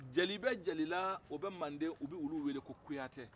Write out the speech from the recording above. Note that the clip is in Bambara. jeli bɛ jeli la o bɛ manden u b'olu wele ko kuyatɛ